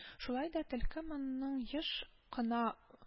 Шулай да төлке моның еш кына